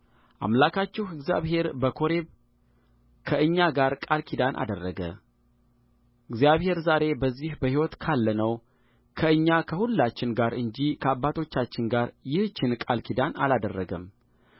አምላካችን እግዚአብሔር በኮሬብ ከእኛ ጋር ቃል ኪዳን አደረገእግዚአብሔር ዛሬ በዚህ በሕይወት ካለነው ከእኛ ከሁላችን ጋር እንጂ ከአባቶቻችን ጋር ይህችን ቃል ኪዳን አላደረገም